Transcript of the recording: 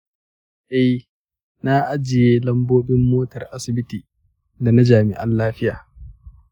eh, na ajiye lambobin motar asibiti dana jami'an lafiya